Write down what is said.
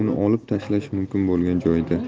uni olib tashlash mumkin bo'lgan joyda